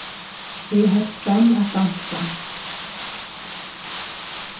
eg helt fram at dansa